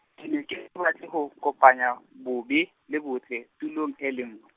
ke ne ke sa batle ho kopanya, bobe, le botle, tulong e le nng .